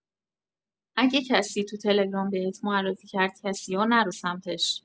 اگ کسی تو تلگرام بهت معرفی کرد کسیو نرو سمتش